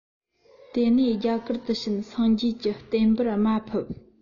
དེ ནས རྒྱ གར དུ ཕྱིན སངས རྒྱས ཀྱི བསྟན པར དམའ ཕབ